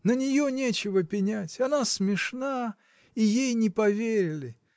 На нее нечего пенять: она смешна и ей не поверили.